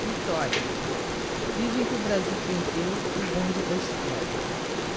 vitória dizem que o brasil perdeu o bonde da história